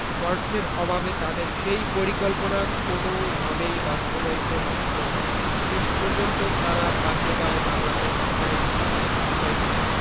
অর্থের অভাবে তাদের সেই পরিকল্পনা কোনওভাবেই বাস্তবায়িত হচ্ছিল না শেষ পর্যন্ত তারা পাশে পায় বাংলাদেশ সায়েন্স ফিকশন সোসাইটিকে